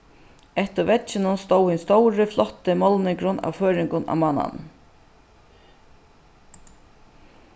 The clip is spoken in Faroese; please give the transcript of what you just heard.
eftir vegginum stóð hin stóri flotti málningurin av føroyingum á mánanum